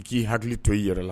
I k'i hakili to i yɛrɛ la